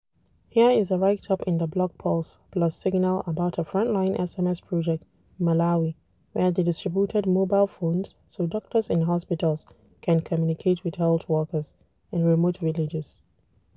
Here is a write up in the blog Pulse + Signal about a FrontlineSMS project in Malawi, where they distributed mobile phones so doctors in hospitals can communicate with health workers in remote villages.